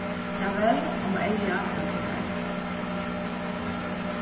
tað veldst um eygað ið sær